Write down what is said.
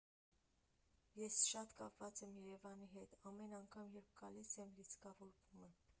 «Ես շատ կապված եմ Երևանի հետ, ամեն անգամ, երբ գալիս եմ, լիցքավորվում եմ։